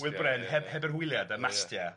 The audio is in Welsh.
hwylbren heb heb yr hwyliau de y mastia... Ia.